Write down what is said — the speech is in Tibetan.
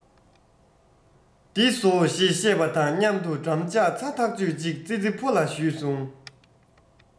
འདི ཟོ ཞེས བཤད པ དང མཉམ དུ འགྲམ ལྕག ཚ ཐག ཆོད གཅིག ཙི ཙི ཕོ ལ ཞུས སོང